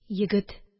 Егет